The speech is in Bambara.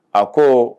A ko